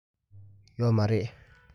ཡོད མ རེད